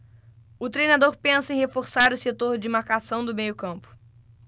o treinador pensa em reforçar o setor de marcação do meio campo